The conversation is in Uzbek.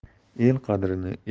el qadrini el